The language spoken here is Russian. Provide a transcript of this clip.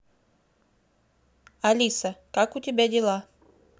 алиса как у тебя дела